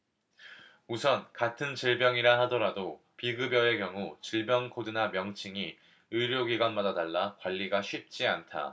우선 같은 질병이라 하더라도 비급여의 경우 질병 코드나 명칭이 의료기관마다 달라 관리가 쉽지 않다